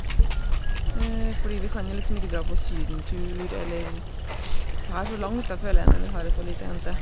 Fordi vi kan jo liksom ikke dra på sydentur eller fær så langt, da, føler jeg, når vi har ei så lita jente.